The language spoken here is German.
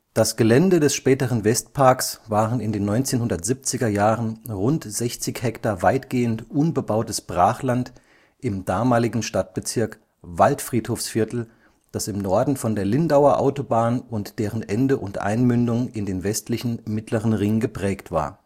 Das Gelände des späteren Westparks waren in den 1970er Jahren rund 60 Hektar weitgehend unbebautes Brachland im damaligen Stadtbezirk Waldfriedhofsviertel, das im Norden von der Lindauer Autobahn und deren Ende und Einmündung in den westlichen Mittleren Ring geprägt war